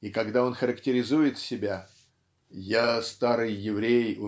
И когда он характеризует себя "Я старый еврей